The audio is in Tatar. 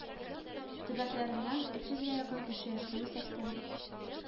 Төбәкләреннән өч йөзгә якын кеше, шул исәптән